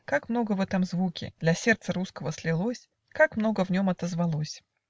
как много в этом звуке Для сердца русского слилось! Как много в нем отозвалось!